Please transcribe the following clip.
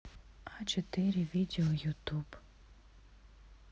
а четыре видео ютуб